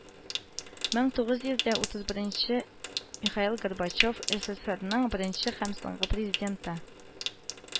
Мең тугыз йөз дә утыз беренче михаил горбачев, эсэсэсрның беренче һәм соңгы президенты